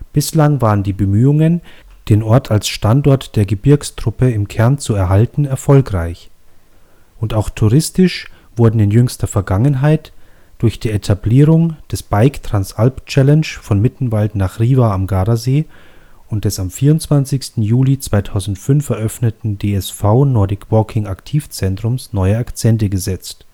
Bislang waren die Bemühungen, den Ort als Standort der Gebirgstruppe im Kern zu erhalten, erfolgreich. Und auch touristisch wurden in jüngster Vergangenheit, durch die Etablierung des BIKE Transalp Challenge von Mittenwald nach Riva (Gardasee) und des am 24. Juli 2005 eröffneten DSV Nordic-Walking-Aktiv-Zentrums, neue Akzente gesetzt